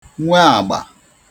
nwe àgbà